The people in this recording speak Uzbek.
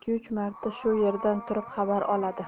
shu yerdan turib xabar oladi